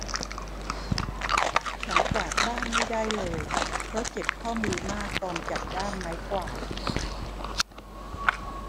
ฉันกวาดบ้านไม่ได้เลยเพราะเจ็บข้อมือมากตอนจับด้ามไม้กวาด